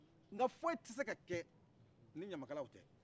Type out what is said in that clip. nka foyi ti se ka kɛ ni ɲamakalaw tɛ